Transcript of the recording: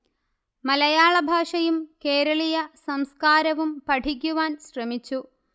മലയാള ഭാഷയും കേരളീയ സംസ്കാരവും പഠിക്കുവാൻ ശ്രമിച്ചു